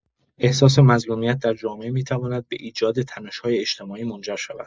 احساس مظلومیت در جامعه می‌تواند به ایجاد تنش‌های اجتماعی منجر شود.